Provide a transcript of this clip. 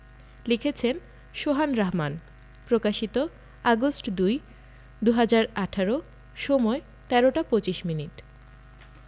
লিখেছেনঃ শোহান রাহমান প্রকাশিতঃ আগস্ট ০২ ২০১৮ সময়ঃ ১৩টা ২৫ মিনিট